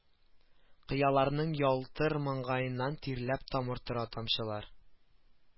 Кыяларның ялтыр маңгаеннан тирләр тамып тора тамчылап